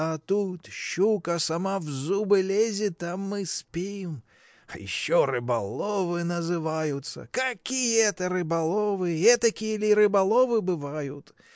а тут щука сама в зубы лезет, а мы спим. а еще рыболовы называются! Какие это рыболовы! этакие ли рыболовы бывают?